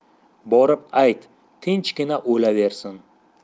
borib ayt tinchgina o'laversin